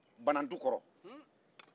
banantukɔrɔ